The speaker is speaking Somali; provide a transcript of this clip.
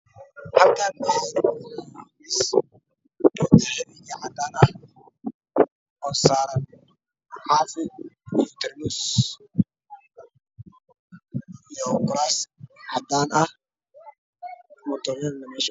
Halkaan waxaa iiga muuqdo miis oo dahabi iyo cadaan ah oo saaran caasi iyo tarmuus iyo kuraas cadaan ah meeshana waa mutuleel.